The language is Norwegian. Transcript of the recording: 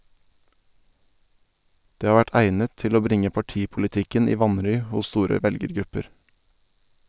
Det har vært egnet til å bringe partipolitikken i vanry hos store velgergrupper.